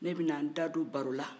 ne bɛna n da don baro la